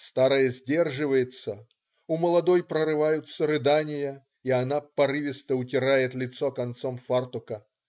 Старая сдерживается, у молодой прорываются рыдания, и она порывисто утирает лицо концом фартука.